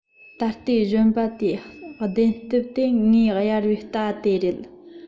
ད ལྟའི གཞོན པ དེའི གདན ལྷེབ དེ ངས གཡར བའི རྟ དེ རེད